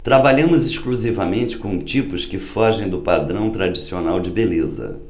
trabalhamos exclusivamente com tipos que fogem do padrão tradicional de beleza